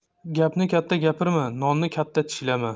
gapni katta gapirma nonni katta tishlama